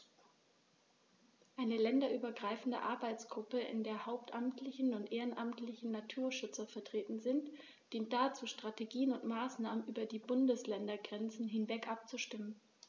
Eine länderübergreifende Arbeitsgruppe, in der hauptamtliche und ehrenamtliche Naturschützer vertreten sind, dient dazu, Strategien und Maßnahmen über die Bundesländergrenzen hinweg abzustimmen.